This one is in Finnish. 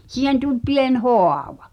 siihen tuli pieni haava